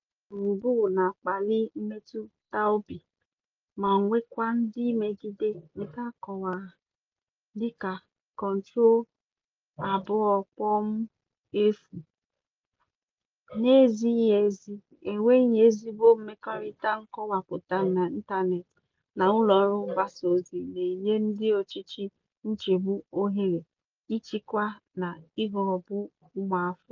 Nke a bụ gburugburu na-akpali mmetụta obi ma nwekwa ndị mmegide, nke a kọwara dịka "Control 2.0": "... N'ezighị ezi, enweghị ezigbo mmekọrịta nkọwapụta n'ịntanetị na ụlọọrụ mgbasaozi, na-enye ndị ọchịchị nchịgbụ ohere ịchịkwa na ghọgbụ ụmụafọ."